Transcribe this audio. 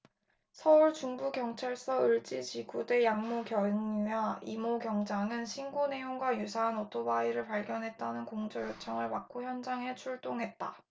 서울중부경찰서 을지지구대 양모 경위와 이모 경장은 신고 내용과 유사한 오토바이를 발견했다는 공조 요청을 받고 현장에 출동했다